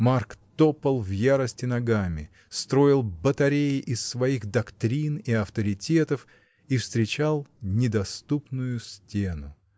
Марк топал в ярости ногами, строил батареи из своих доктрин и авторитетов — и встречал недоступную стену.